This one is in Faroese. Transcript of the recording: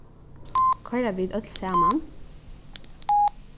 koyra vit øll saman